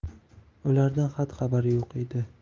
ulardan xat xabar yo'q edi